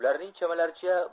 ularning chamalaricha